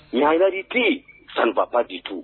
Ɲjit sanbaba ditu